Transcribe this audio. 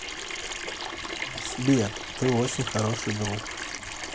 сбер ты очень хороший друг